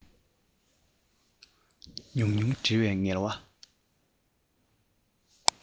ཉུང ཉུང འབྲི བའི ངལ བ